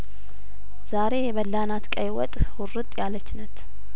ዛሬ የበላናት ቀይ ወጥ ሁርጥ ያለችናት